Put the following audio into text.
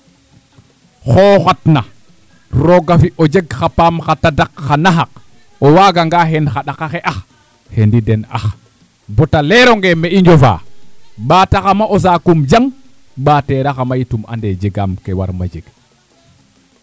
xooxatna roog a fi' o jeg xa paam xa naxaq xa tadaq o waaganga xend xa ɗaq axe ax xendi den ax boo ta leeroonge me i njofaa ɓaataxama o saaku um jang ɓaateeraxama yit um ande jegaam ke warma jeg